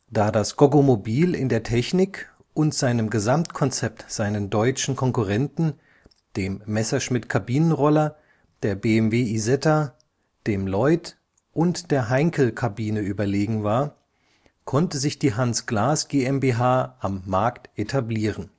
Da das Goggomobil in der Technik und seinem Gesamtkonzept seinen deutschen Konkurrenten, dem Messerschmitt Kabinenroller, der BMW Isetta, dem Lloyd und der Heinkel Kabine überlegen war, konnte sich die Hans Glas GmbH am Markt etablieren